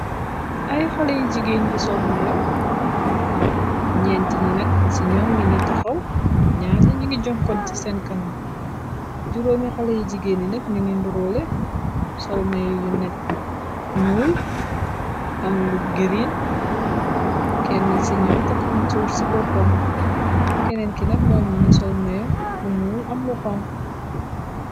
Ay xale yi jigeen yi sol mayo ñeenti ñi nag ci ñoom ñi ni taxaw ñaar ñi ñi ngi joŋkon ci seen kanam juróomi xale yi jigeen yi nag ñu ni nduróole solmayo yu ne ñuwul am lu giriin kenn ci ñoom takkumu toor ci boppam kenneen ki nag moo bingi sol mayo bu ñuwul am lu xonxo.